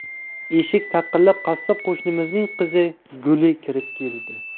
eshik taqillab qassob qo'shnimizning qizi guli kirib keldi